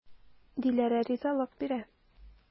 Диләрә ризалык бирә.